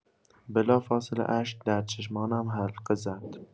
بلافاصله اشک در چشمانم حلقه زد.